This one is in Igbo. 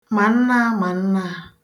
mà nnaà mà nnaa